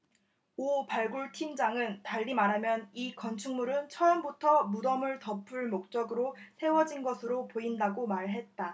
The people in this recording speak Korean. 오 발굴팀장은 달리 말하면 이 건축물은 처음부터 무덤을 덮을 목적으로 세워진 것으로 보인다고 말했다